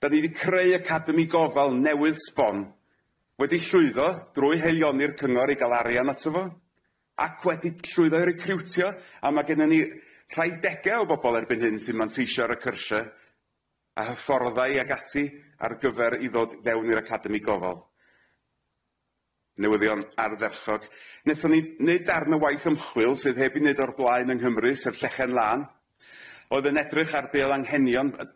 'Dan ni 'di creu Academi Gofal newydd sbon wedi llwyddo drwy haelioni'r cyngor i ga'l arian ato fo ac wedi llwyddo i recriwtio a ma' gennon ni rhai dege o bobol erbyn hyn sy'n manteisho ar y cyrshe a hyfforddai ag ati ar gyfer i ddod fewn i'r Academi Gofal. Newyddion ardderchog. Nethon ni neud darn o waith ymchwil sydd heb 'i neud o'r blaen yng Nghymru sef Llechen Lan oedd yn edrych ar be' o'dd anghenion